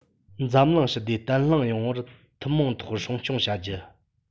འཛམ གླིང ཞི བདེ བརྟན ལྷིང ཡོང བར ཐུན མོང ཐོག སྲུང སྐྱོང བྱ རྒྱུ